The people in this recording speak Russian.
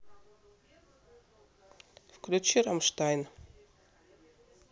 включи раммштайн